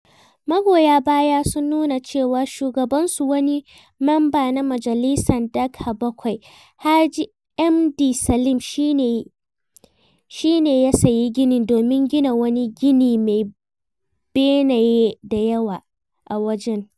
Magoya bayan sun nuna cewa shugabansu, wani mamba na majalisa (Dhaka-7) Haji Md. Salim, shi ne ya sayi ginin domin gina wani gine mai benaye da yawa a wajen.